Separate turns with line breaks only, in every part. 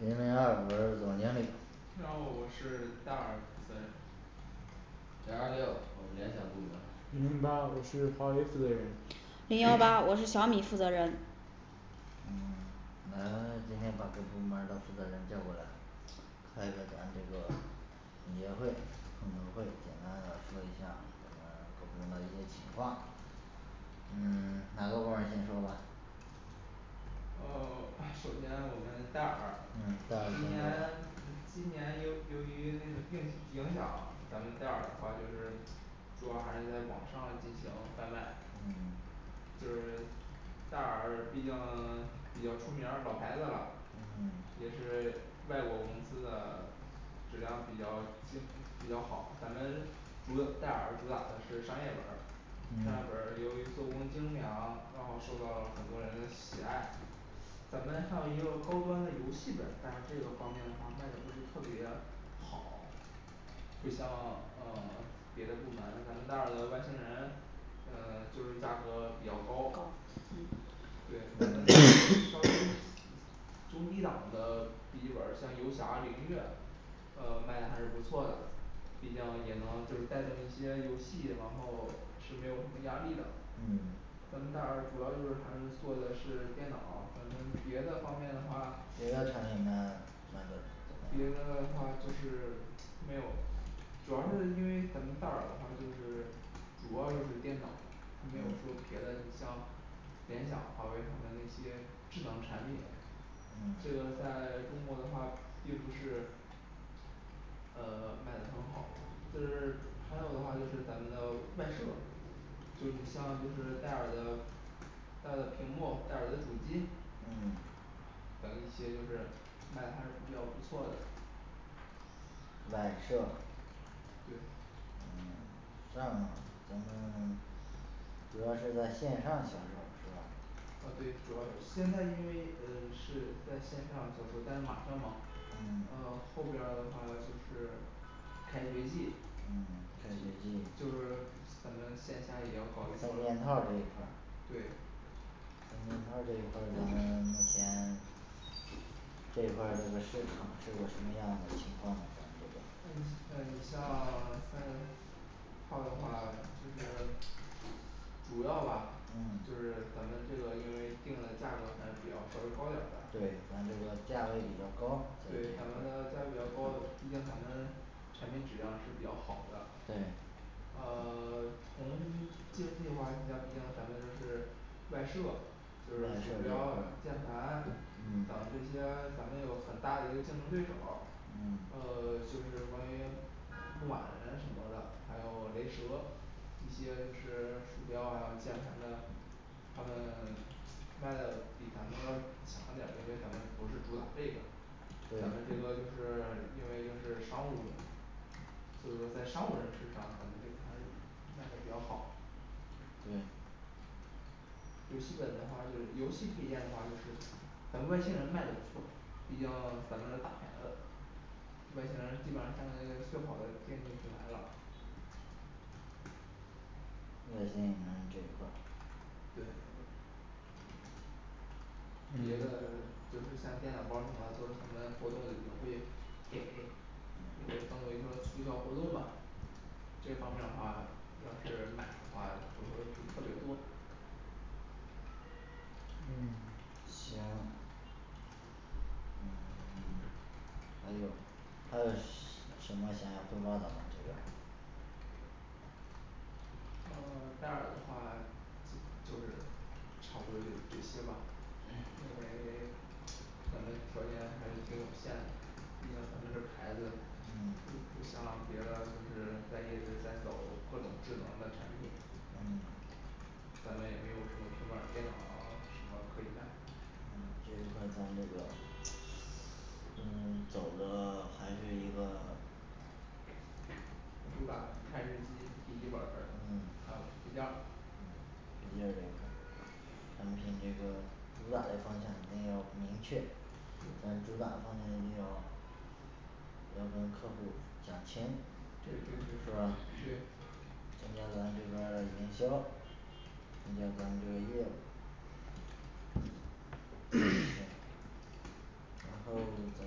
零零二我是总经理
零二五我是戴尔负责人
零二六我是联想部门
零零八我是华为负责人
&&零幺八我是小米负责人
嗯 咱们今天把各个部门儿的负责人叫过来开个咱们这个总结会碰头会简单的说一下咱们各部门的一些情况嗯 哪个部门儿先说吧
嗯 首先我们戴尔
嗯
今年今年由由于那个硬 影响咱们戴尔的话就是主要还是在网上进行贩卖
嗯
就是戴尔毕竟 比较出名儿老牌子了
嗯
也是外国公司的 质量比较精比较好咱们主戴尔主打的是商业本儿商业本
嗯
儿由于做工精良然后受到了很多人的喜爱咱们还有一个高端的游戏本但是这个方面的话卖的不是特别好不像呃别的部门咱们戴尔的外星人呃 就是价格比较
高
高
嗯
对咱们这个& &稍微低中低档的笔记本儿像游侠灵越呃卖的还是不错的毕竟也能就是带动一些游戏然后是没有什么压力的
嗯
咱们戴尔主要就是还是做的是电脑儿，咱们别的方面的话
别的产品卖的卖的怎
别的
么样
话就是没有主要是因为咱们戴尔的话就是主要就是电脑它没有说别的你像联想华为他们那些智能产品这
嗯
个在中国的话并不是呃 卖的很好就是还有的话咱们的外设就你像就是戴尔的戴尔的屏幕戴尔的主机
嗯
等一些就是卖的还是比较不错的
外设嗯
对
这样咱们 主要是在线上销售是吧
啊对主要现在因为呃是在线上销售但是马上嘛呃
嗯
后边儿的话就是开学季
嗯开学季
就是咱们线下也要搞一
三件套儿这一
个
块儿
对
这一块儿咱们目前这一块儿那个市场是有什么样的情况呢咱们这边儿
呃呃你像三件套儿的话就是主要吧就
嗯
是咱们这个因为定的价格还比较稍微高点儿的
对咱们的价位比较高
对像咱的价格比较高毕竟咱们产品质量是比较好的
对
啊 从竞技的话还是比较毕竟咱们是外设就是
外设
鼠
这
标键
一块儿
盘等这
嗯
些咱们有很大的一个竞争对手儿
嗯
呃就是关于木马人什么的还有雷蛇一些就是鼠标啊还有键盘的他们 卖的比咱们强点儿因为咱们不是主打这个咱们这
对
个就是因为就是商务用所以说在商务人士上可能这个还是卖的比较好
对
游戏本的话就是游戏推荐的话就是咱们外星人卖的不错毕竟咱们这大牌子外星人上基本上相当于最好嘞电竞器材了
外星人这一块儿
对别的就是像电脑包儿什么都是可能活动也会给因为当
嗯
做一个促销活动吧这方面儿的话要是买的话有时候儿也是特别多
嗯 行嗯 还有还有是 什么想要汇报的吗这边儿
呃戴尔的话就就是差不多就这些吧嗯 因为 咱们条件还挺有限的你像咱们这牌子不
嗯
不像别的就是一直在走各种智能的产品
嗯
咱们也没有什么平板儿电脑 什么可以卖
嗯这外包那个嗯走的还是一个
主打台式机笔记本儿还
嗯
有配件儿
嗯配件儿这块产品这个主打的方向一定要明确咱主打的方向一定要要跟客户讲清
对
是
对
吧
对是
今天咱们这边儿营销你像咱们这个业务 然后咱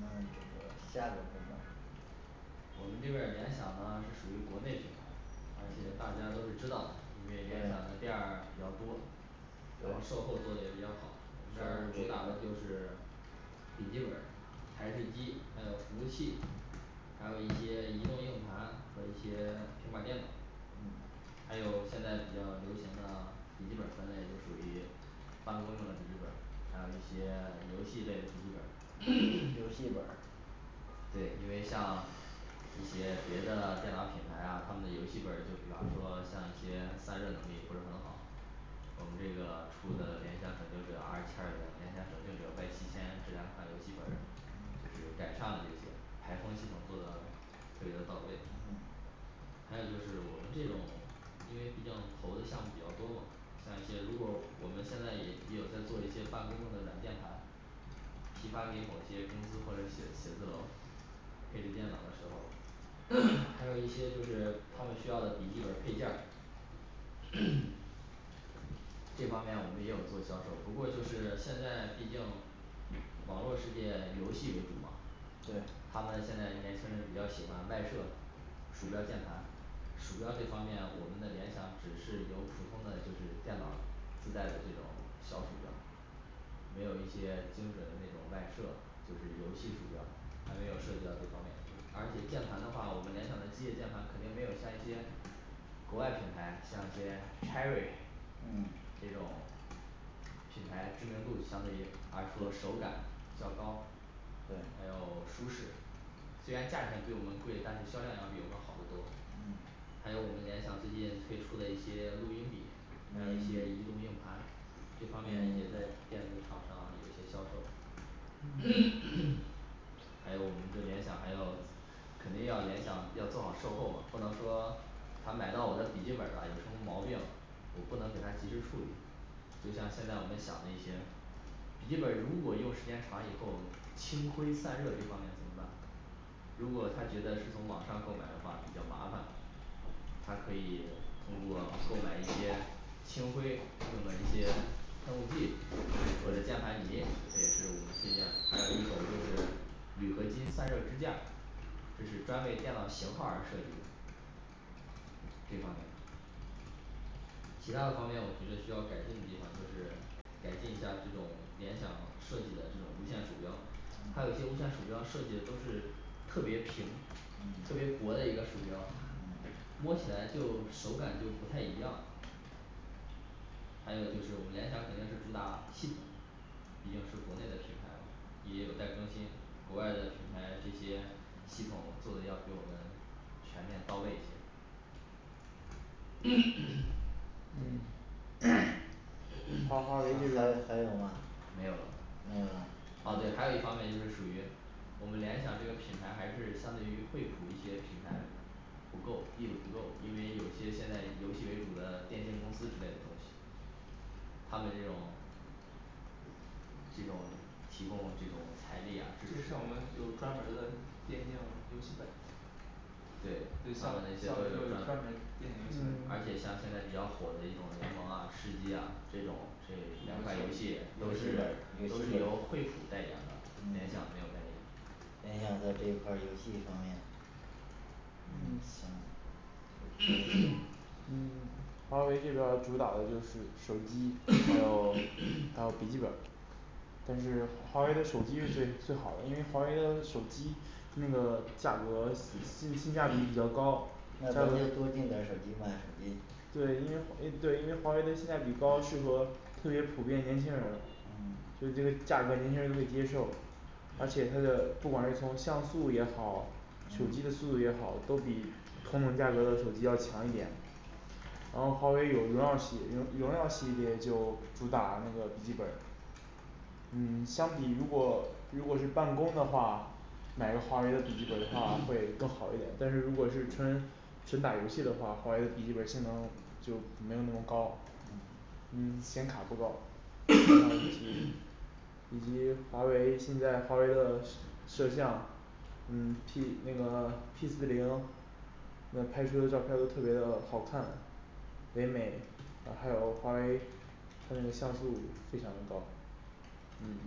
们这个下一个部门儿
我们这边儿联想呢是属于国内品牌而且大家都是知道的因为联想的
对
店儿比较多然后售后做的也比较好我们这儿主打的就
对
是笔记本儿台式机还有服务器还有一些移动硬盘和一些平板儿电脑
嗯
还有现在比较流行的笔记本儿分类就属于办公用的笔记本儿还有一些游戏类的游戏笔记本儿
游戏本儿
对因为像一些别的电脑品牌呀他们的游戏本儿就比方说像一些散热能力不是很好我们出的联想拯救者R七二零，联想拯救者Y七千这两款游戏本儿就是改善了这些排风系统做的特别的到位
嗯
还有就是我们这种因为毕竟投的项目比较多嘛像一些如果我们现在也也有在做一些办公用的软键盘批发给某些公司或者写写字楼配置电脑的时候儿 还有一些就是他们需要的笔记本儿配件儿 这方面我们也有做销售不过就是现在毕竟网络世界游戏为主嘛
对
他们现在年轻人比较喜欢外设鼠标儿键盘鼠标这方面我们的联想只是有普通的就是电脑儿自带的这种小鼠标儿没有一些精准的那种外设就是游戏鼠标还没有涉及到这方面而且键盘的话我们联想的机械键盘肯定没有像一些国外品牌像一些cherry
嗯
这种品牌知名度相对于而说手感较高
对
还有舒适虽然价钱比我们贵但是销量要比我们好得多
嗯
还有我们联想最近推出了一些录音笔还有一些移动硬盘这方面也在电子厂商有些销售 还有我们的联想还要 肯定要联想要做好售后嘛不能说他买到我的笔记本儿了有什么毛病我不能给他及时处理就像现在我们想的一些笔记本儿如果用时间长以后清灰散热这方面怎么办如果他觉得是从网上购买的话比较麻烦他可以通过购买一些清灰用的一些喷雾儿剂或者键盘泥这也是我们推荐的还有一种就是铝合金散热支架儿这是专为电脑型号儿而设计的这方面其它的方面我觉得需要改进的地方就是改进一下这种联想设计的这种无线鼠标它有些无线鼠标设计的都是特别平特别
嗯
薄的一个鼠标
嗯
摸起来就手感就不太一样还有就是我们联想肯定是主打系统的毕竟是国内的品牌嘛也有待更新国外的品牌这些系统做的要比我们全面到位一些
嗯 还
华华为这边
还还
儿
有吗
没有了
没有啦
啊对还有一方面就是属于我们联想这个品牌还是相对于惠普一些品牌不够力度不够因为有些现在游戏为主的电竞公司之类的东西他们这种这种提供这种财力呀支
就
持
像我们有专门儿的电竞游戏本
对
对上
上
上
面那些
头
都
就有
有
专
专
门电竞游戏本
而且像现在比较火的一种联盟啊吃鸡啊这种这两款游戏都是都是由惠普代言的联想没有代
嗯
言
联想在这一块儿游戏方面嗯行
嗯
嗯华为这边儿主打的就是手机还有还有笔记本儿但是华为的手机是最 最好的因为华为的手机那个价格性性价比比较高价
那咱
格
就多订点儿手机卖手机
对因为华 对因为华为的性价比高适合特别普遍年轻人儿
嗯
就这个价格儿年轻人都可以接受而且它的不管是从像素也好手机的
嗯
速度也好都比同等价格儿的手机要强一点然后华为有荣耀系荣荣耀系列就主打那个笔记本儿嗯相比如果如果是办公的话买个华为的笔记本儿的话 会更好一点但是如果是纯纯打游戏的话华为的笔记本儿性能就没有那么高
嗯
嗯显卡不够 以及华为现在华为的摄 摄像嗯P那个P四零嗯拍出的照片儿都特别的好看唯美啊还有华为它那个像素非常的高嗯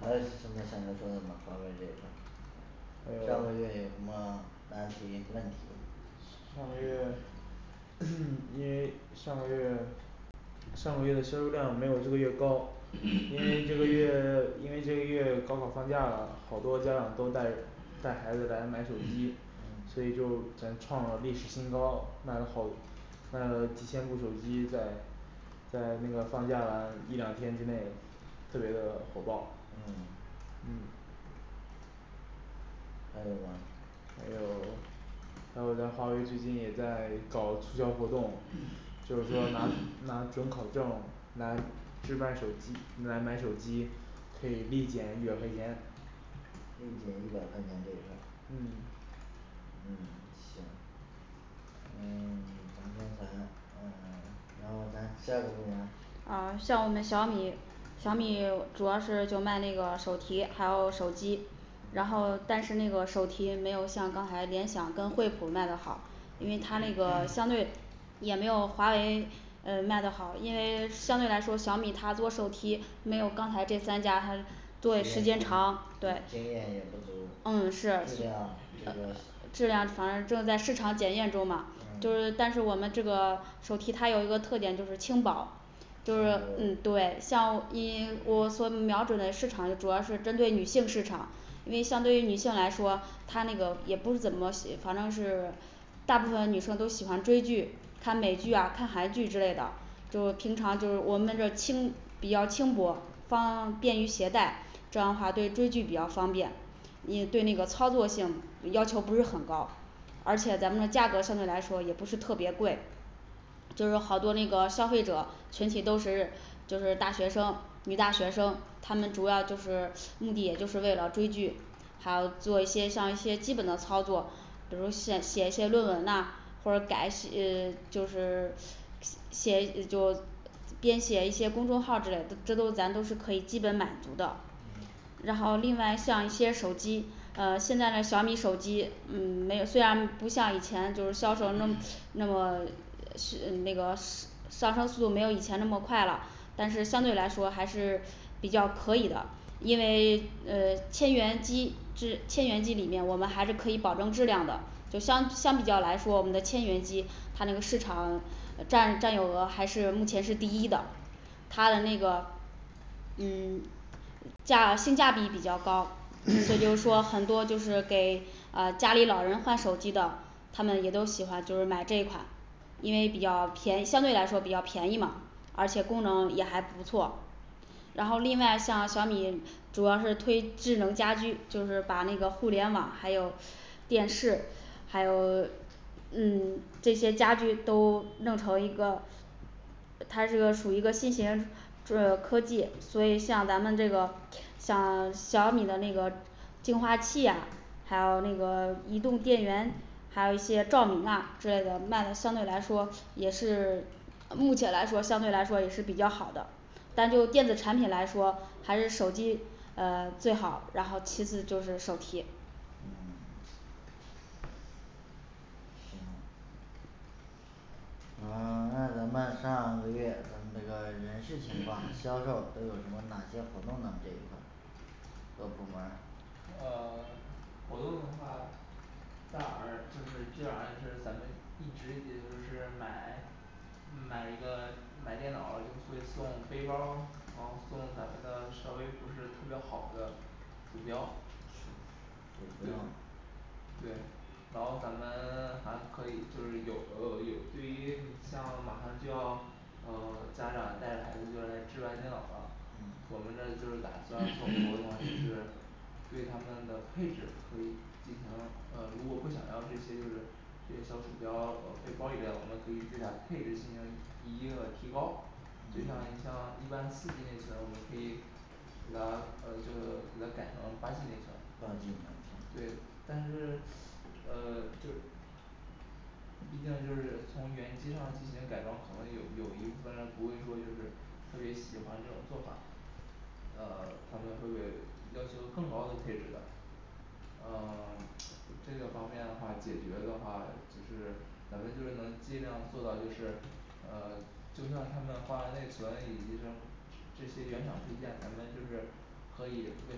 还有什么想要说的吗华为这一
还
块儿上个月有什
有
么难题问题
上个月 因为上个月上个月的销售量没有这个月高因为这个月 因为这个月又高考放假了好多家长都带带孩子来买手机所以就咱创了历史新高卖了好卖了几千部手机在在那个放假啦一两天之内特别的火爆
嗯
嗯
还有吗
还有 还有咱华为最近也在搞促销活动就是说拿 拿准考证来置卖手机买买手机可以立减一百块钱
立减一百块钱就这
嗯
嗯行嗯 咱刚才嗯然后咱下个部门儿
啊像我们小米小米 主要是就卖那个手提还有手机然后
对
但是那个手提没有像刚才联想跟惠普卖的好因为它那个 相对也没有华为嗯卖的好因为相对来说小米它做手提没有刚才这三家他做的时间长对
经验不对经验也不
嗯
足质
是
量这个
质量还是正在市场检验中嘛就
嗯
是但是我们这个手提它有一个特点就是轻薄
轻
就是嗯
薄
对像因我所瞄准的市场主要是针对女性市场因为相对于女性来说她那个也不怎么喜反正是大部分女生都喜欢追剧看美剧啊看韩剧之类的就平常就是我们这轻比较轻薄方便于携带这样的话对追剧比较方便也对那个操作性要求不是很高而且咱们的价格相对来说也不是特别贵就是好多那个消费者群体都是就是大学生女大学生他们主要就是目的也就是为了追剧还有做一些像一些基本的操作比如写写一篇论文呐或者改呃 就是 写就编写一些公众号儿之类的这都咱都是可以基本满足的
嗯
然后另外像一些手机嗯现在的小米手机嗯没有虽然不像以前就是销售那 那么是那个上升速度没有以前那么快了但是相对来说还是比较可以了因为 嗯千元机是千元机里面我们还是可以保证质量的就相相比较来说我们的千元机它那个市场呃占占有额还是目前是第一的它的那个嗯价性价比比较高所以就 说很多就是给啊家里老人换手机的他们也都喜欢就是买这一款因为比较便宜相对来说比较便宜嘛而且功能也还不错然后另外像小米主要是推智能家居就是把那个互联网还有电视还有嗯 这些家具都弄成一个它这个属于一个新型就是科技所以像咱们这个像小米的那个净化器呀还有那个移动电源还有一些照明啊之类的卖的相对来说也是 目前来说相对来说也是比较好的但就电子产品来说还是手机呃 最好然后其次就是手提
嗯行嗯 那咱们上个月咱们这个人事情况销 售都有什么哪些活动呢这一块儿各部门儿
呃 活动的话戴尔就是基本上就是咱们一直也就是买 嗯买一个买电脑儿就会送背包儿然后送咱们的稍微不是特别好的鼠标
鼠
对
标
对然后咱们 还可以有呃有对于你像马上就要呃家长带着孩子就来置办电脑儿了我
嗯
们这就是打算做活动 就是对他们的配置可以进行呃如果不想要这些就是这个小鼠标呃背包儿也不要我们可以对它配置进行一一定的提高就像你像一般四G内存，我们可以给他呃就是给他改成八G内存
八G
对
内存
但是呃就是毕竟就是从原机上进行改装可能有有一部分人不会说就是特别喜欢这种做法呃 他们会 要求更高的配置的啊 这个方面的话解决的话就是咱们就是能尽量做到就是呃 就算他们换了内存以及这这 这些原厂配件咱们就是可以为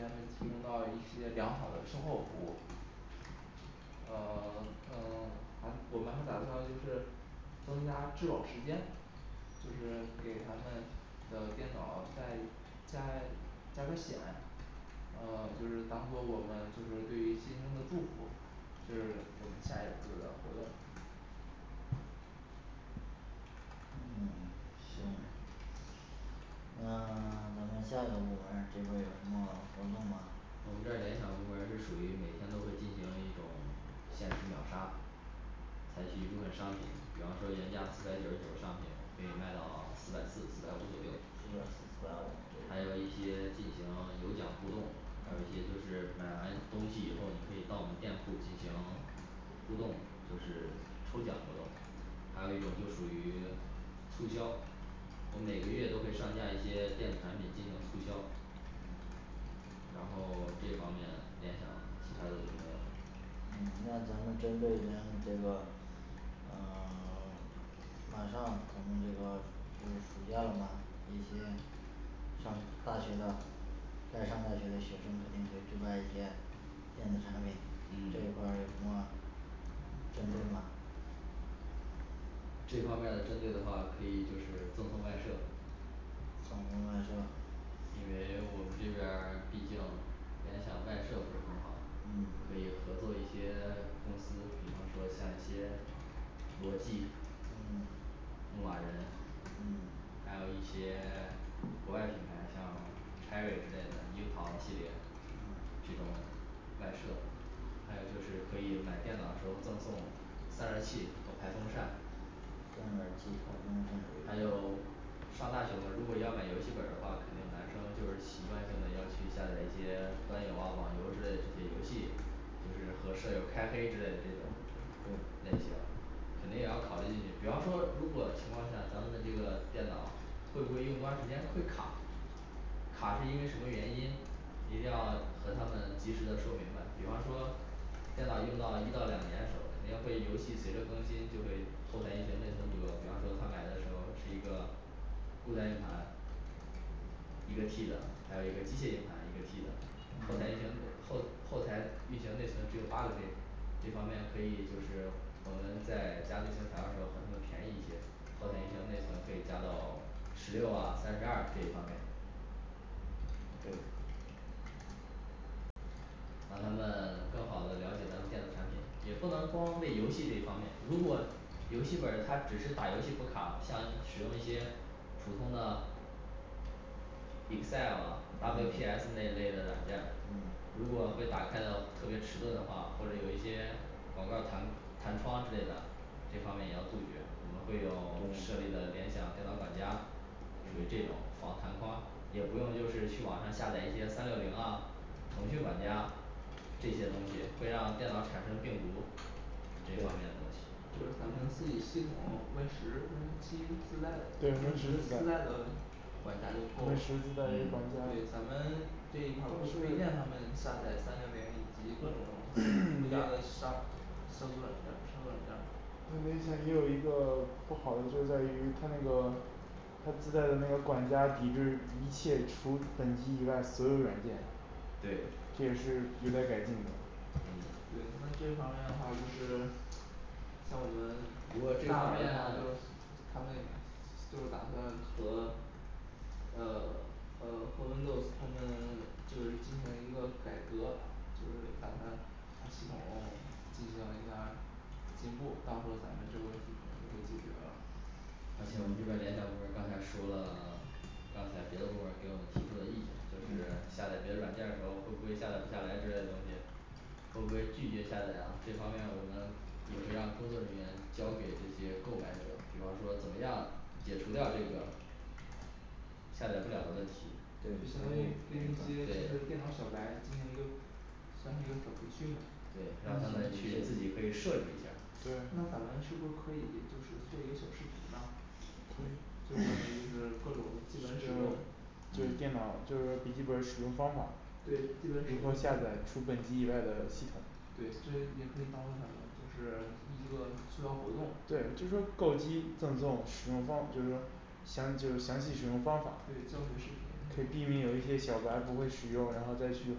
他们提供到一些良好的售后服务啊 嗯 还我们还打算就是增加质保时间就是给他们的电脑再加加个险然后就是当做我们就是对于新生的祝福就是我们下一次的活动
嗯 行呃 咱们下个部门儿这边儿有什么活动吗
我们的联想部门儿是属于每天都会进行一种限时秒杀采取一部分商品比方说原价四百九十九儿的商品我们可以卖到 四百四四百五左右
四百四四百五
还有一些进行有奖互动还有一些就是买完东西以后你可以到我们店铺进行互动就是抽奖活动还有一种就属于 促销我每个月都会上架一些电子产品进行促销然后 这方面联想其它的就没有了
那咱们针对咱们这个呃 马上咱们这个就是暑假了嘛这些上大学的在上大学的学生肯定会置办一些电子产品这一块
嗯
儿的话针对什么
这方面儿的针对的话可以就是赠送外设
赠送外设
因为我们这边儿毕竟联想外设不是很好，可
嗯
以合作一些 公司，比方说像一些罗技
嗯
木马人
嗯
还有一些 国外品牌像cherry之类的樱桃系列的这种外设还有就是可以买电脑儿的时候赠送散热器和排风扇
散热器排风扇
还有上大学嘛如果要买游戏本儿的话肯定男生就是习惯性的要去下载一些端游啊网游之类的这些游戏就是和舍友开黑之类的这种
对
类型肯定也要考虑进去比方说如果情况下咱们的这个电脑会不会用多长时间会卡？卡是因为什么原因一定要和他们及时的说明白比方说电脑用到一到两年的时候肯定会游戏随着更新就会后台运行内存不够比方说他买的时候是一个固态硬盘一个T的还有一个机械硬盘一个T的后台运行内后后台运行内存只有八个G这方面可以就是我们在加内存条儿的时候儿和他们便宜一些后台运行内存可以加到十六啊三十二这一方面
对
让他们更好的了解咱们电子产品也不能光为游戏这一方面如果游戏本儿它只是打游戏不卡像使用一些普通的 excel啊W P S那一类的软件儿
嗯
如果会打开的特别迟钝的话或者有一些广告儿弹弹窗之类的这方面也要杜绝我们会用设
嗯
立的联想电脑管家属于这种防弹框也不用就是去网上下载一些三六零啊腾讯管家这些东西会让电脑儿产生病毒这方面的东
就
西
是咱们自己系统win十win七自带的
对win十自
自
带
带的管家就够了
win十自带的管家
对咱们这
但是
一块儿不推荐他
有
们下载三六零以及各种附 加的杀消毒软件儿杀毒软件儿
他联想也有一个 不好的就是在于它那个它自带的那个管家抵制一切除本机以外所有软件
对
这也是有待改进的
对那这方面的话就是像我们
如果这
戴
方
尔
面
的 话就他们就打算和呃 呃和windows他们就是进行一个改革就是打算按系统进行一下儿进步到时候儿咱们这个问题可能就会解决了
而且我们这边儿联想部门儿刚才说了 刚才别的部门儿给我们提出的意见&嗯&就是下载别的软件儿的时候儿会不会下载不下来之类的东西会不会拒绝下载啊这方面我们也会让工作人员教给这些购买者比方说怎么样解除掉这个下载不了的问题对
就相
对
当于跟那些就是电脑小白进行一个
算是一个小培训嘛
对让
那
他
咱们
们
是
去自己可以设置一下儿
对
不是可以就是做一个小视频呐
对
就关于就是各 种基本使用
就是电
嗯
脑就是笔记本儿使用方法
对基本使
如
用
何下载除本机以外的系统
对这也可以当做咱们就是一个促销活动
对就是说购机赠送使用方法就是详就详细使用方法
对教学视
可以避
频是吗
免有一些小白不会使用，然后再去